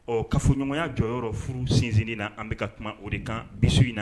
Ɔ kaa fɔɲɔgɔnya jɔyɔrɔ yɔrɔ furu sinsin na an bɛka ka kuma o de kan bisimila in na